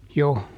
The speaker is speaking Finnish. jo